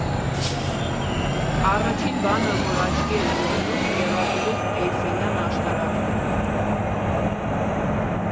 Առաջին բանը, որ աչքի էր ընկնում, եռագլուխ Էյֆելյան աշտարակն էր։